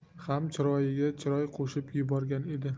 ham chiroyiga chiroy qo'shib yuborgan edi